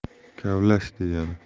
kavlash degani